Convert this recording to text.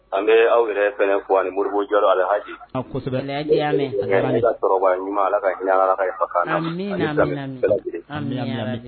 An bɛ aw yɛrɛ fana fɔ aniurubo jɔyɔrɔ alahaji ɲuman ala ka ala fa